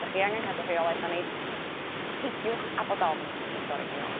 'dach chi angen cadw rheolaeth ani peidiwch â bod ofn 'i thorri hi nôl.